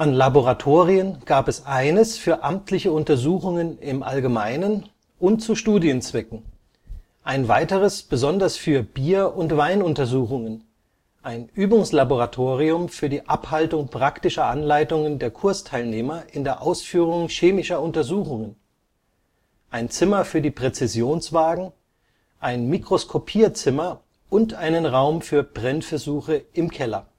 Laboratorien gab es eines für amtliche Untersuchungen im Allgemeinen und zu Studienzwecken, ein weiteres besonders für Bier - und Weinuntersuchungen, ein Übungslaboratorium für die Abhaltung praktischer Anleitungen der Kursteilnehmer in der Ausführung chemischer Untersuchungen, ein Zimmer für die Präzisionswaagen, ein Mikroskopierzimmer und einen Raum für Brennversuche im Keller